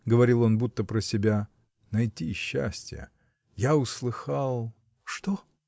— говорил он, будто про себя, — найти счастье. я услыхал. — Что?